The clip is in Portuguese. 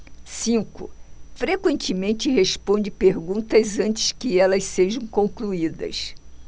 cinco frequentemente responde perguntas antes que elas sejam concluídas